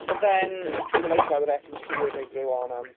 But then, they were like that with Ekin-Su and they grew on them.